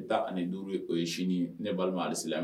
I bɛ taa ni duuru o ye sini ne'a ma ali silamɛmɛ